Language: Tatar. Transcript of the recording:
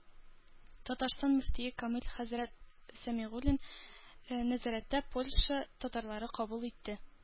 Татарстан мөфтие Камил хәзрәт Сәмигуллин нәзәрәттә Польша татарлары кабул итте.